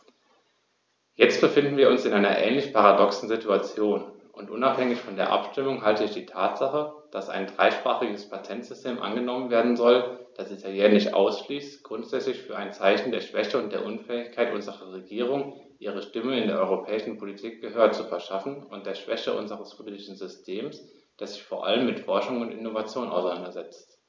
Jetzt befinden wir uns in einer ähnlich paradoxen Situation, und unabhängig von der Abstimmung halte ich die Tatsache, dass ein dreisprachiges Patentsystem angenommen werden soll, das Italienisch ausschließt, grundsätzlich für ein Zeichen der Schwäche und der Unfähigkeit unserer Regierung, ihrer Stimme in der europäischen Politik Gehör zu verschaffen, und der Schwäche unseres politischen Systems, das sich vor allem mit Forschung und Innovation auseinandersetzt.